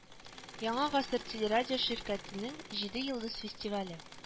Яңа Гасыр телерадиоширкәтенең Җиде Йолдыз фестивале